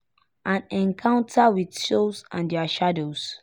An encounter with souls and their shadows